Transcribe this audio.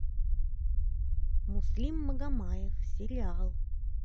муслим магомаев сериал